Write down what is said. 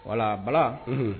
Wala Bala .